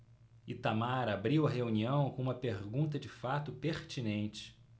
itamar abriu a reunião com uma pergunta de fato pertinente